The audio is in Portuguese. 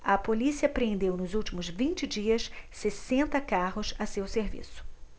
a polícia apreendeu nos últimos vinte dias sessenta carros a seu serviço